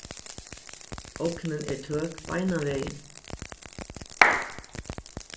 ognin er tøk beinanvegin